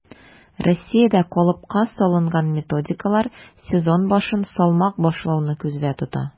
Россиядә калыпка салынган методикалар сезон башын салмак башлауны күздә тота: